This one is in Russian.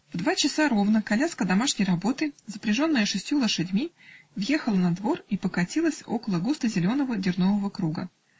В два часа ровно коляска домашней работы, запряженная шестью лошадьми, въехала на двор и покатилась около густо-зеленого дернового круга.